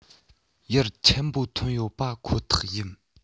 ཡར ཆེན པོ ཐོན ཡོད པ ཁོ ཐག ཡིན